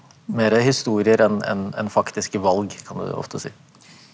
mere historier enn enn enn faktiske valg kan du ofte si.